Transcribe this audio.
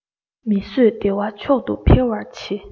མི བཟོད བདེ བ མཆོག ཏུ འཕེལ བར བྱེད